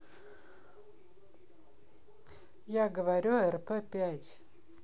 я говорю рп пять